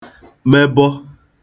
mebọ